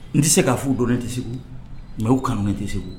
N tɛ se ka fu dɔn ne tɛ segu mɛ kanu tɛ segu